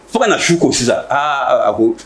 Fo ka na su ko sisan aa a ko